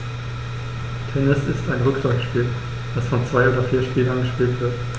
Tennis ist ein Rückschlagspiel, das von zwei oder vier Spielern gespielt wird.